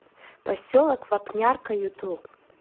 поселок вапнярка ютуб